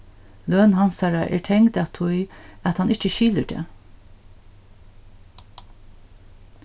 løn hansara er tengd at tí at hann ikki skilur tað